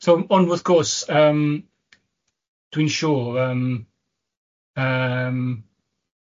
So, ond wrth gwrs yym, dwi'n siŵr yym yym